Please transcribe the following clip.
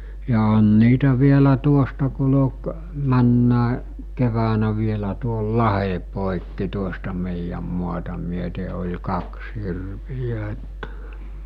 ja on niitä vielä tuosta kulki menneenäkin keväänä vielä tuon lahden poikki tuosta meidän maata myöten oli kaksi hirveä että